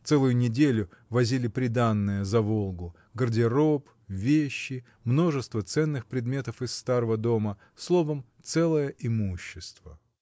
Целую неделю возили приданое за Волгу: гардероб, вещи, множество ценных предметов из старого дома — словом, целое имущество.